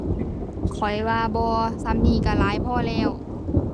ข้อยว่าบ่ ส่ำนี้ก็หลายพอแล้ว